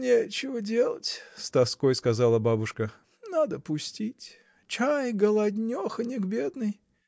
— Нечего делать, — с тоской сказала бабушка, — надо пустить. Чай, голоднехонек, бедный!